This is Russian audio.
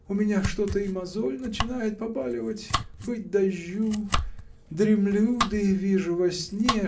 У меня что-то и мозоль начинает побаливать – быть дождю. Дремлю да и вижу во сне